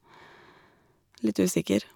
Litt usikker.